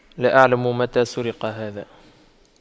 لا أعلم متى سرق هذا